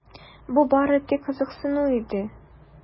Бу бары тик кызыксыну иде.